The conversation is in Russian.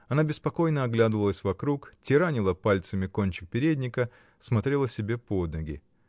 Она беспокойно оглядывалась вокруг, тиранила пальцами кончик передника, смотрела себе под ноги.